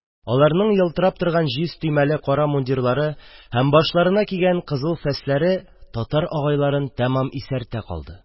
Аларның ялтырап торган җиз төймәле кара мундирлары һәм башларына кигән кызыл фәсләре татар агайларын тәмам исертә калды.